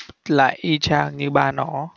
lại y chang như ba nó